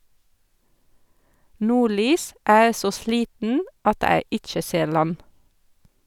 Nordlys, æ e så sliten at æ ikkje ser land.